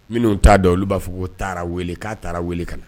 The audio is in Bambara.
Minnu t'a dɔn olu b'a fɔ ko taara weele k'a taara weele ka na